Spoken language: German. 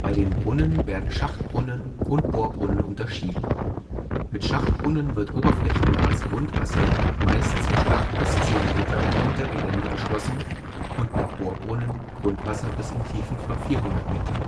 den Brunnen werden Schachtbrunnen und Bohrbrunnen unterschieden. Mit Schachtbrunnen wird oberflächennahes Grundwasser (meist) zwischen 8 bis 10 Meter unter Gelände erschlossen und mit Bohrbrunnen Grundwasser bis in Tiefen von 400 m